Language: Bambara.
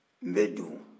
n bɛ don